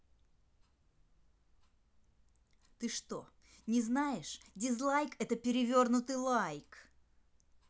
ты что не знаешь дизлайк это перевернутый лайк